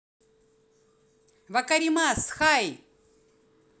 вакаримас хай